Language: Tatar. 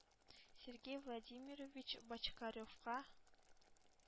Сергей Владимирович Бочкаревка